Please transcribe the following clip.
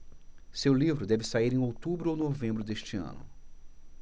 seu livro deve sair em outubro ou novembro deste ano